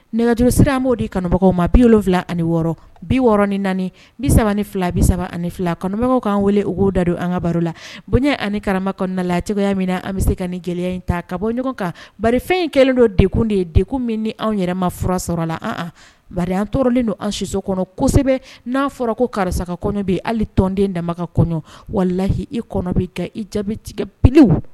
Nɛgɛjurusi an b'o di kanubagaw ma bil wolonwula ani wɔɔrɔ bi wɔɔrɔɔrɔn ni naani bi3 ni fila bi3 ani fila kɔnɔmɔgɔww kaan wele' dadon an ka baro la bonya ani karama kɔnɔna na lacogoyamina na an bɛ se ka ni gɛlɛya in ta ka bɔ ɲɔgɔn kan barofɛn in kɛlen don dekun de ye de min ni anw yɛrɛma fura sɔrɔ la an bali tɔɔrɔlen don an siso kɔnɔ kosɛbɛ n'a fɔra ko karisa ka kɔnɔ bɛ hali tɔnden dama ka kɔɲɔ walahi i kɔnɔ bɛ ka i jaabi tigɛ pelewuw